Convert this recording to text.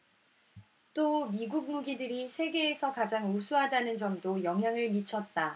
또 미국 무기들이 세계에서 가장 우수하다는 점도 영향을 미쳤다